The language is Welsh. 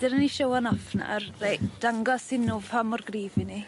Dere ni showan off nawr rei dangos i nw pa mor gryf 'yn ni.